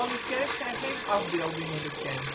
de kerk zijn geen afbeeldingen bekend. In 2006